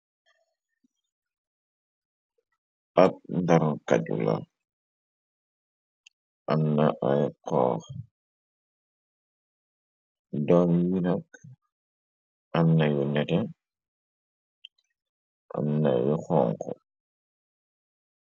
Ab ndarnkachu la amna ay xoox doom ye nak amna yu neteh amna yu xonko.